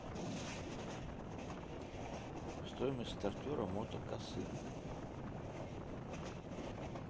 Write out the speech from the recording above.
стоимость стартера мото косы